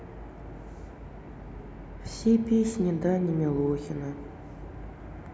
все песни дани милохина